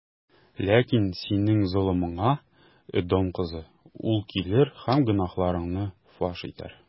Ләкин синең золымыңа, Эдом кызы, ул килер һәм гөнаһларыңны фаш итәр.